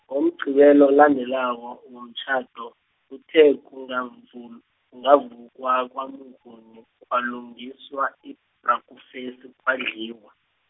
ngoMgqibelo olandelako, womtjhado, kuthe kungavulw- kungavukwa kwaMnguni, kwalungiswa ibhrakufesi kwadliwa.